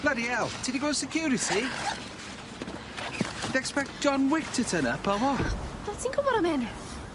Bloody ell, ti 'di gweld security? They expect John Wich to turn up or wha? O ti'n gwbor am 'yn?